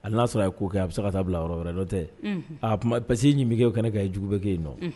A n'a sɔrɔ a ye ko kɛ a bɛ se ka taa bila yɔrɔ wɛrɛ nɔ tɛ pa que ɲinikɛ kɛnɛ ka ye jugu bɛ kɛ yen nɔ